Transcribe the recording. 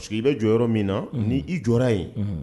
Sigi i bɛ jɔ jɔyɔrɔ yɔrɔ min na ni i jɔ yen